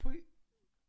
Pwy?